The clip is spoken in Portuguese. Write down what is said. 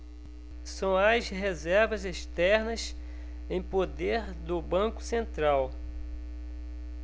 são as reservas externas em poder do banco central